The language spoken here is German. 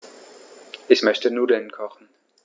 Ich möchte Nudeln kochen.